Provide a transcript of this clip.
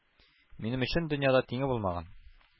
— минем өчен дөньяда тиңе булмаган,